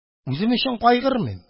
Үзем өчен кайгырмыйм